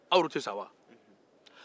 aw yɛrɛw tɛ sa wa